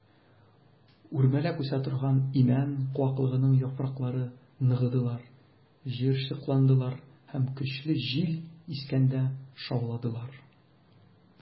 Үрмәләп үсә торган имән куаклыгының яфраклары ныгыдылар, җыерчыкландылар һәм көчле җил искәндә шауладылар.